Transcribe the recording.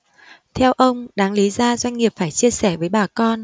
theo ông đáng lý ra doanh nghiệp phải chia sẻ với bà con